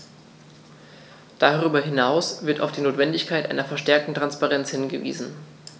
Darüber hinaus wird auf die Notwendigkeit einer verstärkten Transparenz hingewiesen.